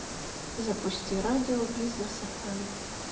запусти радио бизнес фм